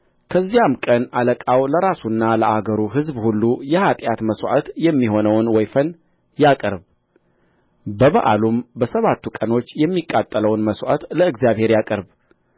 ከዚያም ቀን አለቃው ለራሱና ለአገሩ ሕዝብ ሁሉ የኃጢአት መሥዋዕት የሚሆነውን ወይፈን ያቅርብ በበዓሉም በሰባቱ ቀኖች የሚቃጠለውን መሥዋዕት ለእግዚአብሔር ያቅርብ